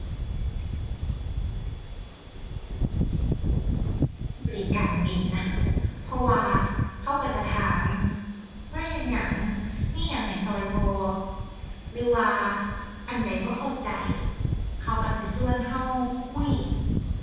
บริการดีนะ เพราะว่าเค้าก็จะถาม มาเฮ็ดหยัง มีหยังให้ก็บ่หรือว่าอันใดบ่เข้าใจเขาก็สิก็ก็คุย